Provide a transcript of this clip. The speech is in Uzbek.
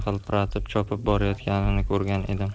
hilpiratib chopib borayotganini ko'rdim